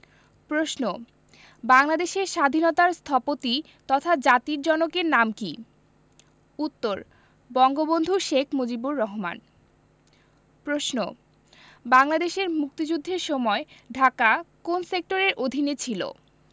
প্রশ্ন বাংলাদেশের স্বাধীনতার স্থপতি তথা জাতির জনকের নাম কী উত্তর বঙ্গবন্ধু শেখ মুজিবুর রহমান প্রশ্ন বাংলাদেশের মুক্তিযুদ্ধের সময় ঢাকা কোন সেক্টরের অধীনে ছিলো